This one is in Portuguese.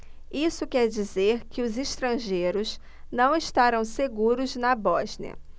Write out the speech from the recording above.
isso quer dizer que os estrangeiros não estarão seguros na bósnia